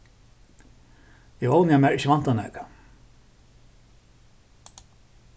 eg vóni at mær ikki vantar nakað